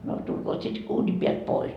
no tulkoot sitten uunin päältä pois